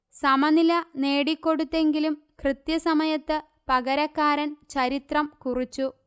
സമനില നേടിക്കൊടുത്തെങ്കിലും കൃത്യ സമയത്ത് പകരക്കാരൻ ചരിത്രം കുറിച്ചു